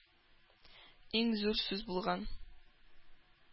Иң зур сүз булган.